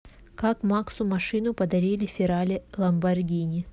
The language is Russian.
как максу машину подарили феррари ламборгини